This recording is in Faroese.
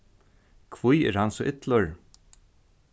hví er hann er so illur